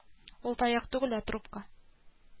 Болар барысы да безнең тарихыбыз.